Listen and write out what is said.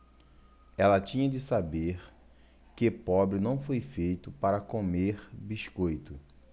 ela tinha de saber que pobre não foi feito para comer biscoito